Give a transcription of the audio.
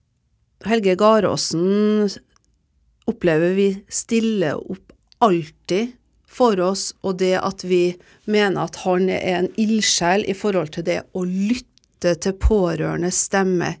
Helge Garåsen opplever vi stiller opp alltid for oss og det at vi mener at han er en ildsjel i forhold til det å lytte til pårørendes stemme.